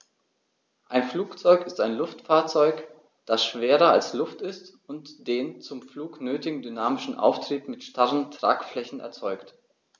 Ein Flugzeug ist ein Luftfahrzeug, das schwerer als Luft ist und den zum Flug nötigen dynamischen Auftrieb mit starren Tragflächen erzeugt.